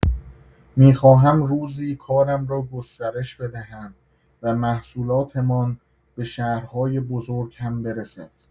می‌خواهم روزی کارم را گسترش بدهم و محصولاتمان به شهرهای بزرگ هم برسد.